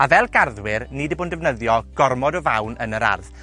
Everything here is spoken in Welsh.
A fel garddwyr, ni 'di bod yn defnyddio gormod o fawn yn yr ardd.